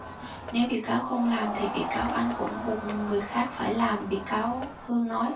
nếu bị cáo không làm thì bị cáo anh cũng buộc người khác phải làm bị cáo hương nói